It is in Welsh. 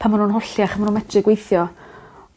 pan ma' nw'n holliach a ma' n'w metru gweithio.